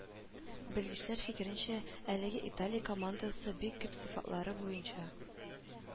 Белгечләр фикеренчә, әлеге Италия командасы бик күп сыйфатлары буенча